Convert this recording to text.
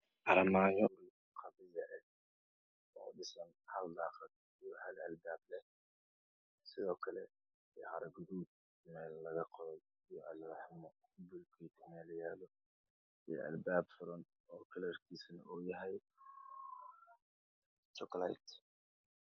Waa guri dhisme ka socda wuxuu ka samaysan yahay buloketi karabaraha ayuu marayaa